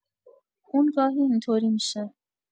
اون گاهی این‌طوری می‌شه.